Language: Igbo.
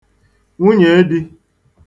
nwunyèedī